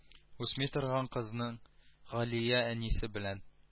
Үсми торган кызның галия әнисе белән